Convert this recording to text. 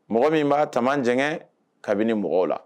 Mɔgɔ min b' taamaɛngɛ kabini mɔgɔw la